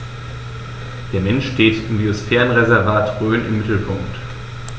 Der Mensch steht im Biosphärenreservat Rhön im Mittelpunkt.